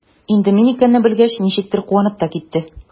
Инде мин икәнне белгәч, ничектер куанып та китте.